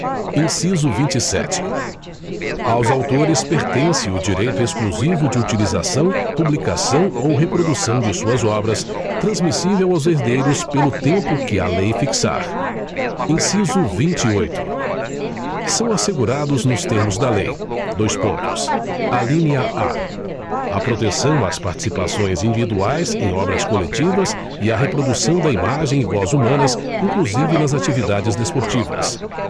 inciso vinte e sete aos autores pertence o direito exclusivo de utilização publicação ou reprodução de suas obras transmissível aos herdeiros pelo tempo que a lei fixar inciso vinte e oito são assegurados nos termos da lei dois pontos alínea a proteção às participações individuais em obras coletivas e à reprodução da imagem e voz humanas inclusive nas atividades desportivas